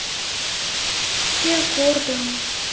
три аккорда